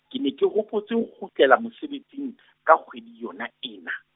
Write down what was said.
ke ne ke hopotse ho kgutlela mosebetsing , ka kgwedi yona ena.